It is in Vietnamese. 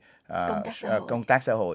công tác xã hội